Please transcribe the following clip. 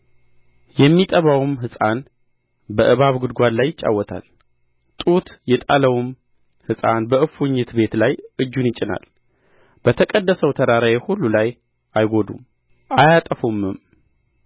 የሚጠባውም ሕፃን በእባብ ጕድጓድ ላይ ይጫወታል ጡት የጣለውም ሕፃን በእፉኝት ቤት ላይ እጁን ይጭናል በተቀደሰው ተራራዬ ሁሉ ላይ አይጐዱም አያጠፉምም